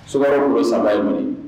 Sumaworo bolo saba ye mun